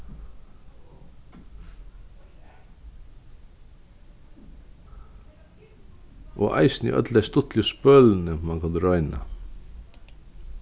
og eisini øll tey stuttligu spølini mann kundi royna